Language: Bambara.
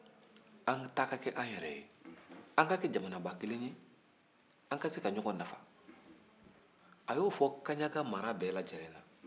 an k'a kɛ jamanaba kelen ye an ka se ka ɲɔgɔn nafa a y'o fɔ kaɲaka mara bɛɛ lajɛlen na